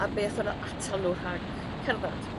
A beth odda atal nhw rhag cerddad.